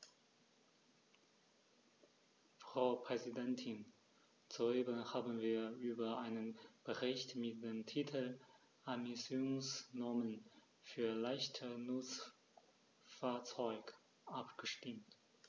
Frau Präsidentin, soeben haben wir über einen Bericht mit dem Titel "Emissionsnormen für leichte Nutzfahrzeuge" abgestimmt.